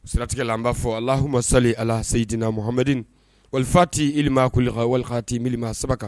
Siratigɛ la an b'a fɔ hma sa ala seyidina muhami wali ti ima kulka walitilima saba